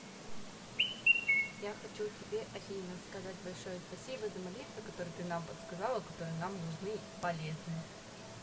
я хочу тебе афина сказать большое спасибо за молитвы которые ты нам подсказала которые нам нужны полезны